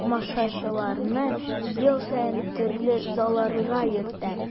Тамашачыларны ел саен төрле залларга йөртәм.